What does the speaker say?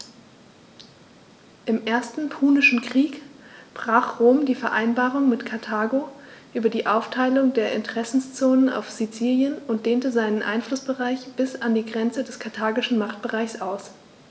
Im Ersten Punischen Krieg brach Rom die Vereinbarung mit Karthago über die Aufteilung der Interessenzonen auf Sizilien und dehnte seinen Einflussbereich bis an die Grenze des karthagischen Machtbereichs aus.